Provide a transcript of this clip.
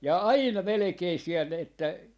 ja aina melkein siellä että